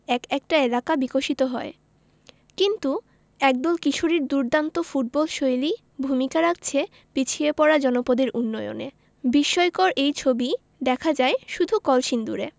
এক একটা এলাকা বিকশিত হয় কিন্তু একদল কিশোরীর দুর্দান্ত ফুটবলশৈলী ভূমিকা রাখছে পিছিয়ে পড়া জনপদের উন্নয়নে বিস্ময়কর এই ছবি দেখা যায় শুধু কলসিন্দুরে